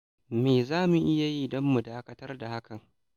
Me za mu iya yi don mu dakatar da hakan?